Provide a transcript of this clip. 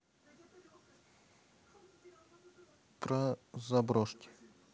про заброшки